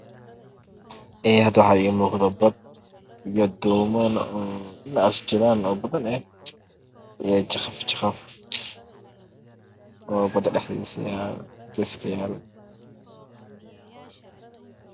Halkaan waxaa iiga muuqdo bad oo dooman badan kudhex jiraan iyo jaqafyo geesta yaal.